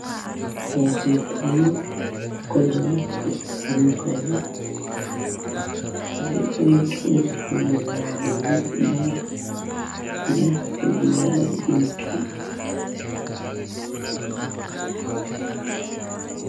Waa kareen wajiga waax ku sawiran gabar